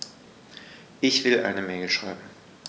Ich will eine Mail schreiben.